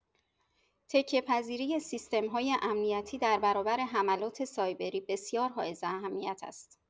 تکیه‌پذیری سیستم‌های امنیتی در برابر حملات سایبری بسیار حائز اهمیت است.